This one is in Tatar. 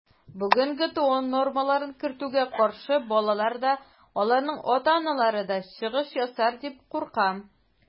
Бүген ГТО нормаларын кертүгә каршы балалар да, аларның ата-аналары да чыгыш ясар дип куркам.